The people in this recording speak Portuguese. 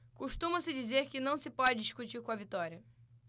costuma-se dizer que não se pode discutir com a vitória